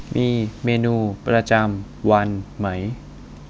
มีเมนูประจำวันไหม